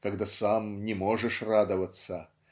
когда сам не можешь радоваться